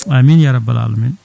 amine ya rabbal alamina